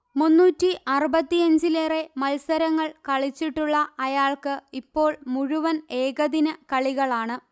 മൂന്നൂറ്റി അറുപത്തിയഞ്ചിലേറെ മത്സരങ്ങൾ കളിച്ചിട്ടുള്ള അയാൾക്ക് ഇപ്പോൾ മുഴുവൻഏകദിന കളികളാണ്